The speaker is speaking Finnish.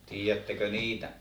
tiedättekö niitä